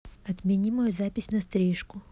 отмени мою запись на стрижку